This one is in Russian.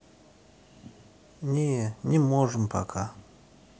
не не можем пока